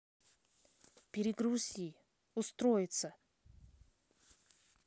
перегрузи устроиться